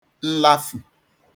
nlafù